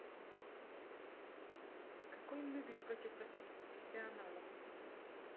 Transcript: какой нубик против профессионалов